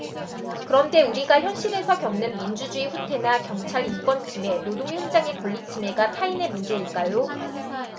그런데 우리가 현실에서 겪는 민주주의 후퇴나 경찰 인권침해 노동현장의 권리침해가 타인의 문제일까요